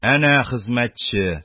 Әнә хезмәтче: